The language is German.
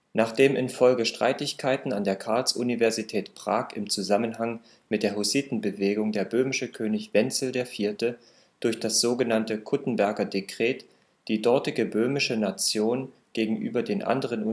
Nach dem in Folge Streitigkeiten an der Karls-Universität Prag im Zusammenhang mit der Hussiten-Bewegung der böhmische König Wenzel IV. durch das so genannte Kuttenberger Dekret die dortige " böhmische Nation " gegenüber den anderen